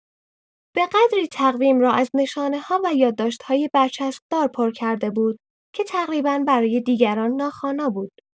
به قدری تقویم را از نشانه‌ها و یادداشت‌های برچسب‌دار پر کرده بود که تقریبا برای دیگران ناخوانا بود.